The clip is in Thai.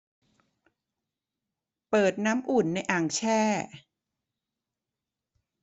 เปิดน้ำอุ่นในอ่างแช่